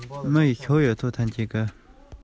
བྱིལ བྱིལ བྱེད ཞོར ང ཚོ གཅེན གཅུང